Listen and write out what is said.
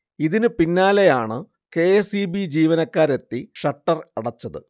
ഇതിന് പിന്നാലെയാണ് K. S. E. B. ജീവനക്കാരെത്തി ഷട്ടർ അടച്ചത്